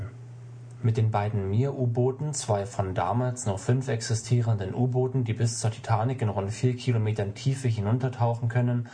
Mir-U-Booten, zwei von damals nur fünf existierenden U-Booten, die bis zur Titanic in rund vier Kilometern Tiefe hinuntertauchen können